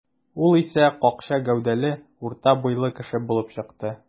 Ул исә какча гәүдәле, урта буйлы кеше булып чыкты.